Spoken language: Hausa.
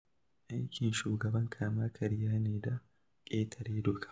Aikin shugaban kama-karya ne da ƙetare doka.